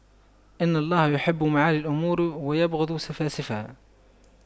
إن الله يحب معالي الأمور ويبغض سفاسفها